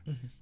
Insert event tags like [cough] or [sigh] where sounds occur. [hesitation] [hesitation]